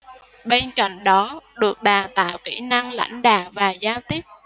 bên cạnh đó được đào tạo kỹ năng lãnh đạo và giao tiếp